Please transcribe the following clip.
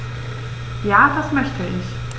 Ja, das möchte ich.